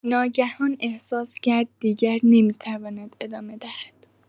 ناگهان احساس کرد دیگر نمی‌تواند ادامه دهد.